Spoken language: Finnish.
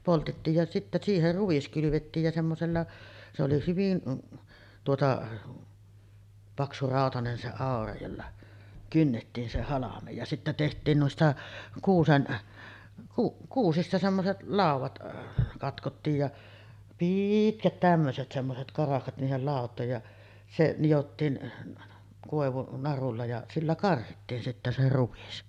poltettiin ja sitten siihen ruis kylvettiin ja semmoisella se oli hyvin tuota paksurautainen se aura jolla kynnettiin se halme ja sitten tehtiin niistä kuusen - kuusista semmoiset laudat katkottiin ja pitkät tämmöiset semmoiset karahkat niihin lautoihin ja se nidottiin koivunarulla ja sillä karhittiin sitten se ruis